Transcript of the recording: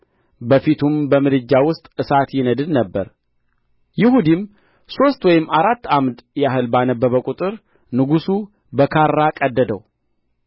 በፊቱም በምድጃ ውስጥ እሳት ይነድድ ነበር ይሁዲም ሦስት ወይም አራት ዓምድ ያህል ባነበበ ቍጥር ንጉሡ በካራ ቀደደው